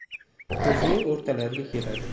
kuzning o'rtalariga keladi